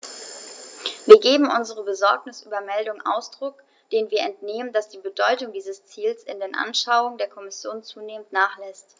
Wir geben unserer Besorgnis über Meldungen Ausdruck, denen wir entnehmen, dass die Bedeutung dieses Ziels in den Anschauungen der Kommission zunehmend nachlässt.